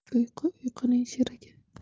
uyqu uyquning sherigi